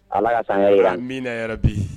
Ala' min yɔrɔ bi